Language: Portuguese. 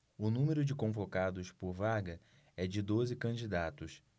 o número de convocados por vaga é de doze candidatos